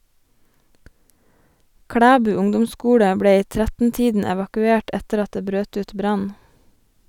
Klæbu ungdomsskole ble i 13-tiden evakuert etter at det brøt ut brann.